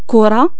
كورة